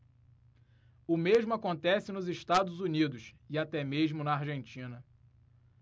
o mesmo acontece nos estados unidos e até mesmo na argentina